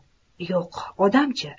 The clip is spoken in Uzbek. yo'q odamdan chi